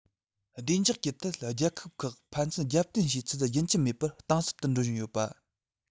བདེ འཇགས ཀྱི ཐད རྒྱལ ཁབ ཁག ཕན ཚུན རྒྱབ རྟེན བྱེད ཚུལ རྒྱུན ཆད མེད པར གཏིང ཟབ ཏུ འགྲོ བཞིན ཡོད པ